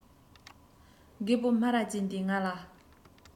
རྒད པོ སྨ ར ཅན དེས ང ལ